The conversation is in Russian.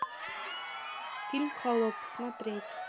фильм холоп смотреть